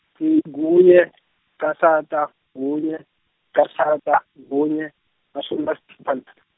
kunye , licashata, kunye, licashata, kunye, mashumi lasitfupha .